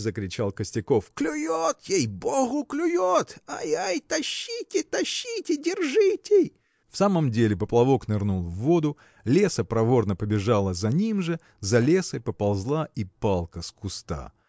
– закричал Костяков, – клюет, ей-богу, клюет! ай, ай! тащите, тащите! держите! В самом деле поплавок нырнул в воду леса проворно побежала за ним же за лесой поползла и палка с куста.